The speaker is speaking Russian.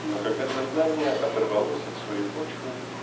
Но когда сознание оторвалось от своей почвы